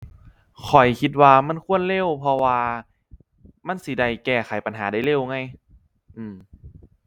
ข้อยคิดว่ามันควรเร็ว เพราะว่ามันสิได้แก้ไขปัญหาได้เร็วไง อื้อ